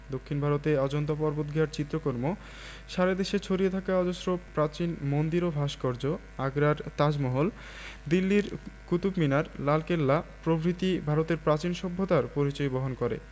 দক্ষিন ভারতে অজন্তা পর্বতগুহার চিত্রকর্ম সারা দেশে ছড়িয়ে থাকা অজস্র প্রাচীন মন্দির ও ভাস্কর্য আগ্রার তাজমহল দিল্লির কুতুব মিনার লালকেল্লা প্রভৃতি ভারতের প্রাচীন সভ্যতার পরিচয় বহন করে